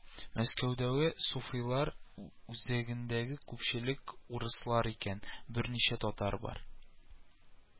Мәскәүдәге суфыйлар үзәгендә күпчелек урыслар икән, берничә татар бар